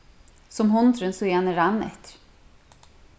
sum hundurin síðani rann eftir